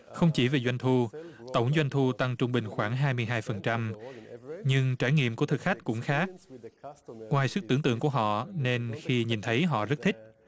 không chỉ về doanh thu tổng doanh thu tăng trung bình khoảng hai mươi hai phần trăm nhưng trải nghiệm của thực khách cũng khác ngoài sức tưởng tượng của họ nên khi nhìn thấy họ rất thích